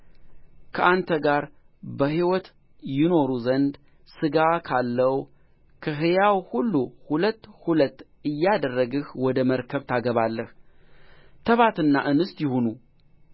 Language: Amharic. በምድር ያለው ሁሉ ይጠፋል ቃል ኪዳኔንም ከአንተ ጋር አቆማለሁ ወደ መርከብም አንተ ልጆችህንና ሚስትህን የልጆችህንም ሚስቶች ይዘህ ትገባለህ